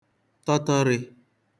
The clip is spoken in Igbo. tọtọrị̄